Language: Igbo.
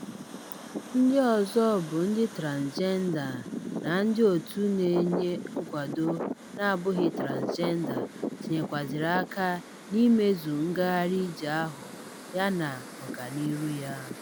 Ndị ọzọ bụ ndị transịjenda na ndị òtù na-enye nkwado na-abụghị transịjenda tinyekwazịrị aka n'imezu ngagharị ije ahụ yana ọganihu ya.